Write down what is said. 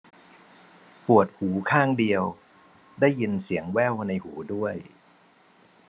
ปวดหูข้างเดียวได้ยินเสียงแว่วในหูด้วย